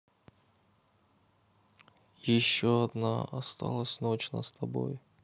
еще одна осталась ночь на с тобой